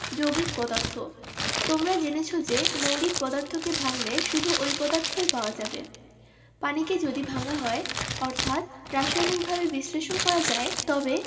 যৌগিক পদার্থ তোমরা জেনেছ যে মৌলিক পদার্থকে ভাঙলে শুধু ঐ পদার্থই পাওয়া যাবে পানিকে যদি ভাঙা হয় অর্থাৎ রাসায়নিকভাবে বিশ্লেষণ করা যায় তবে